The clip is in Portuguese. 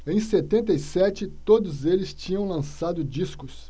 em setenta e sete todos eles tinham lançado discos